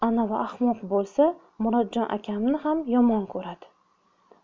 anovi ahmoq bo'lsa murodjon akamni ham yomon ko'radi